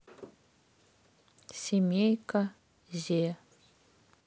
семейка зэ